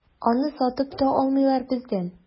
Аны сатып та алмыйлар бездән.